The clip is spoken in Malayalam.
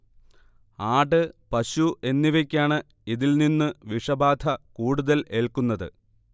ആട്, പശു എന്നിവയ്ക്കാണ് ഇതിൽ നിന്ന് വിഷബാധ കൂടുതൽ ഏൽക്കുന്നത്